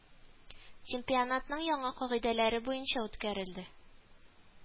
Чемпионатның яңа кагыйдәләре буенча үткәрелде